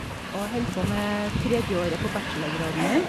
Og jeg held på med tredjeåret på bachelorgraden min.